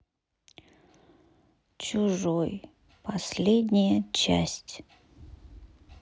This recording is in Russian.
чужой последняя часть